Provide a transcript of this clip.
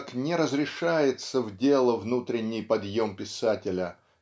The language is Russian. как не разрешается в дело внутренний подъем писателя